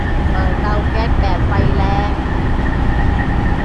เปิดเตาแก๊สแบบไฟแรง